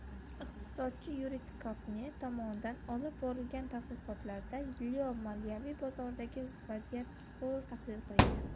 iqtisodchi yuriy kofner tomonidan olib borilgan tadqiqotlarda yeoii moliyaviy bozoridagi vaziyat chuqur tahlil qilingan